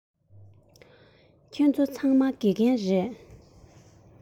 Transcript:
ཁྱེད ཚོ ཚང མ དགེ རྒན རེད